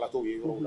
ye yɔrɔ, unhun